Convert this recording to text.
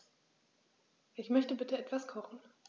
Ich möchte bitte etwas kochen.